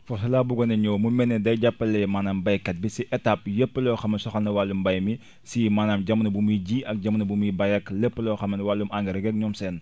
foofee la bëggoon a ñëw mu mel ne day jàppale maanaam béykat bi si étape yëpp loo xam ne soxal na wàllum mbéy mi si maanaam jamono bu muy ji ak jamono bu muy bay ak lépp loo xam ne wàllum engrais geeg ñoom seen